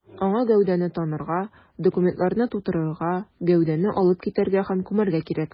Аңа гәүдәне танырга, документларны турырга, гәүдәне алып китәргә һәм күмәргә кирәк.